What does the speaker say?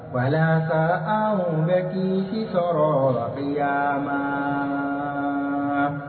Walasa an bɛ jigi sɔrɔ laya ma